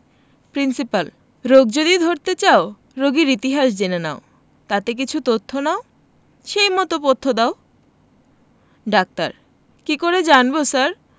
principal রোগ যদি ধরতে চাও রোগীর ইতিহাস জেনে নাও তাতে কিছু তথ্য নাও সেই মত পথ্য দাও ডাক্তার কি করে জানব স্যার